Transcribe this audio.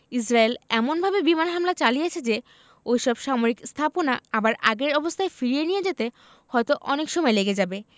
Israel এমনভাবে বিমান হামলা চালিয়েছে যে ওই সব সামরিক স্থাপনা আবার আগের অবস্থায় নিয়ে যেতে হয়তো অনেক সময় লেগে যাবে